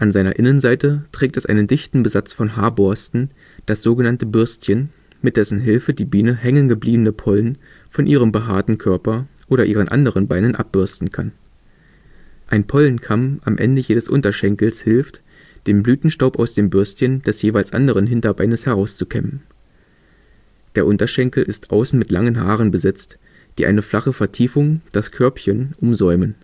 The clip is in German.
seiner Innenseite trägt es einen dichten Besatz von Haarborsten, das so genannte „ Bürstchen “, mit dessen Hilfe die Biene hängengebliebenen Pollen von ihrem behaarten Körper oder ihren anderen Beinen abbürsten kann. Ein Pollenkamm am Ende jedes Unterschenkels hilft, den Blütenstaub aus dem Bürstchen des jeweils anderen Hinterbeines herauszukämmen. Der Unterschenkel ist außen mit langen Haaren besetzt, die eine flache Vertiefung, das „ Körbchen “, umsäumen